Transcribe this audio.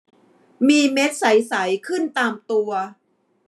มีเม็ดใสใสขึ้นตามตัว